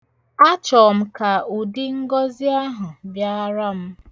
Achọ m ka udi ngọzị ahụ bịara m.